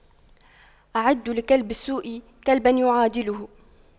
أعدّوا لكلب السوء كلبا يعادله